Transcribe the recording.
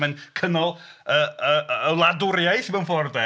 Mae'n cynnal y y y wladwriaeth mewn ffor' de.